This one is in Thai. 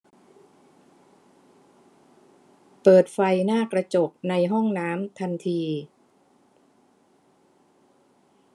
เปิดไฟหน้ากระจกในห้องน้ำทันที